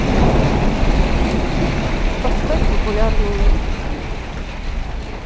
поставь популярную музыку